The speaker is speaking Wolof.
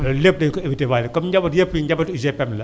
loolu lépp di nga ko évité waale comme njaboot gi yëpp njabootu UGPM la